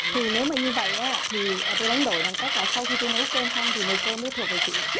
thì nếu mà như vậy á thì à tôi đánh đổi bằng cách là sau khi tôi nấu cơm xong thì nồi cơm mới thuộc về chị